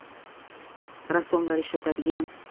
rassomlar ishlatadigan